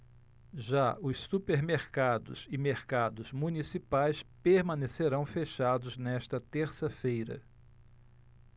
já os supermercados e mercados municipais permanecerão fechados nesta terça-feira